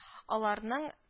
Аларның